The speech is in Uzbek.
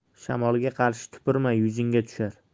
shamolga qarshi tupurma yuzingga tushar